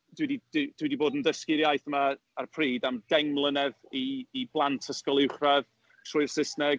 Dwi 'di dwi 'di bod yn dysgu'r iaith yma, ar y pryd, am deng mlynedd i i blant ysgol uwchradd trwy'r Saesneg.